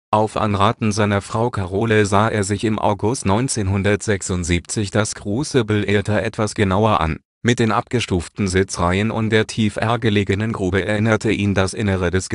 Auf Anraten seiner Frau Carole sah er sich im August 1976 das Crucible Theatre etwas genauer an. Mit den abgestuften Sitzreihen und der tiefergelegenen Grube erinnerte ihn das Innere des